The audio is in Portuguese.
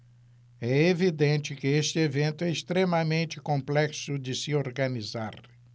é evidente que este evento é extremamente complexo de se organizar